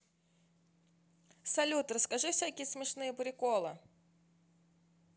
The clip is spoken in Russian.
салют расскажи всякие смешные приколы